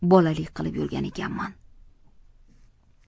bolalik qilib yurgan ekanman